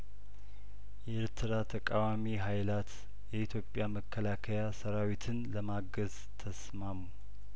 የኤርትራ ተቃዋሚ ሀይላት የኢትዮጵያ መከላከያሰራዊትን ለማገዝ ተስማሙ